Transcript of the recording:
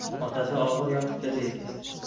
otasi og'ir yotibdi deysiz